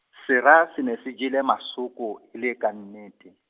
sera, se ne se jele masoko, e le ka nnete.